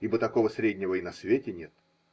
Ибо такого среднего и на свете нет.